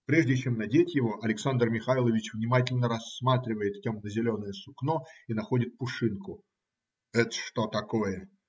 Прежде чем надеть его, Александр Михайлович внимательно рассматривает темно-зеленое сукно и находит пушинку. - Это что такое?